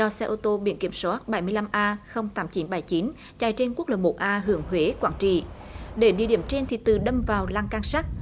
do xe ô tô biển kiểm soát bảy mươi lăm a không tám chín bảy chín chạy trên quốc lộ một a hướng huế quảng trị đến địa điểm trên thì tự đâm vào lan can sắt